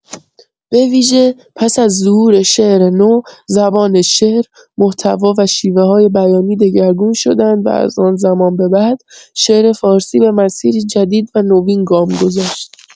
به‌ویژه، پس از ظهور شعر نو، زبان شعر، محتوا و شیوه‌های بیانی دگرگون شدند و از آن‌زمان به بعد، شعر فارسی به مسیری جدید و نوین گام گذاشت.